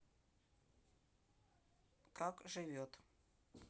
как живет